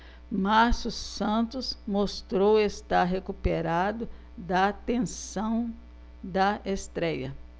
márcio santos mostrou estar recuperado da tensão da estréia